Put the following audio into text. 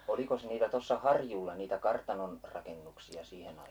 olikos niitä tuossa harjulla niitä kartanon rakennuksia siihen aikaan